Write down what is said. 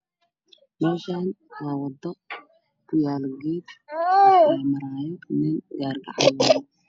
Meeshaan waxaa iga muuqda waddo ku yaalla geed cagaraan dhanka mugdiga waxaa ka xiga guri geedka hoostiisa waxaa taagan nin wata gaarigacan